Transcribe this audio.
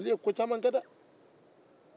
mali ye ko caman kɛ dɛ